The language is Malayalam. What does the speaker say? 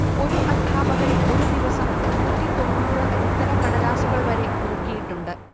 ഒരു അദ്ധ്യാപകൻ ഒരു ദിവസം നൂറ്റിതൊണ്ണൂറ്‌ ഉത്തരക്കടലാസുകൾ വരെ നോക്കിയിട്ടുണ്ട്